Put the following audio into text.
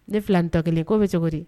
Ne fila nin ta kelen ko bɛ cogo di